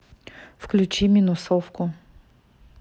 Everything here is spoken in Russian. включи минусовку